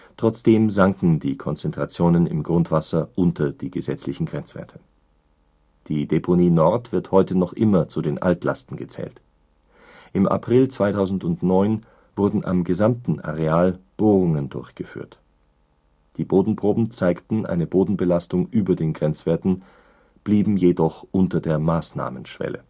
Trotzdem sanken die Konzentrationen im Grundwasser unter die gesetzlichen Grenzwerte. Die Deponie Nord wird heute noch immer zu den Altlasten gezählt. Im April 2009 wurden am gesamten Areal Bohrungen durchgeführt. Die Bodenproben zeigten eine Bodenbelastung über den Grenzwerten, blieben jedoch unter der Maßnahmenschwelle